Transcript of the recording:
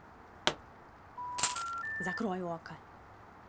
закрой okko